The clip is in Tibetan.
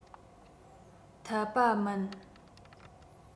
འཐད པ མིན